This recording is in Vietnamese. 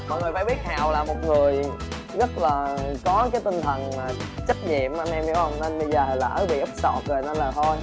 mọi người phải biết hào là một người rất là có cái tinh thần trách nhiệm anh em hiểu không nên bây giờ lỡ bị úp sọt rồi nên là thôi